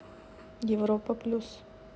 европа плюс